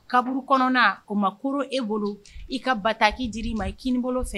Kaburu kɔnɔna o ma koron e bolo i ka bataki dir'i ma i kinibolo fɛ